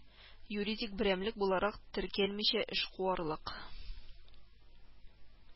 Юридик берәмлек буларак теркәлмичә эшкуарлык